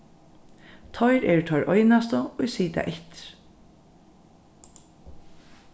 teir eru teir einastu ið sita eftir